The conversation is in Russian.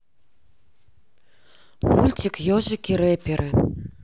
мультик ежики рэперы